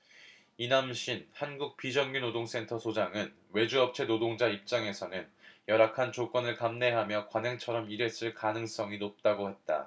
이남신 한국비정규노동센터 소장은 외주업체 노동자 입장에서는 열악한 조건을 감내하며 관행처럼 일했을 가능성이 높다고 했다